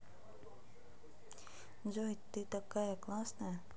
джой ты такая классная